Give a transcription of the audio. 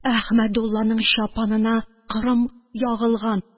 Әхмәдулланың чапанына корым ягылган!